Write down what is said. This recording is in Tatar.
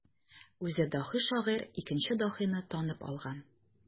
Үзе даһи шагыйрь икенче даһине танып алган.